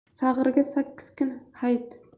sag'irga sakkiz kun hayit